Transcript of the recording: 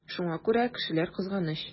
Шуңа күрә кешеләр кызганыч.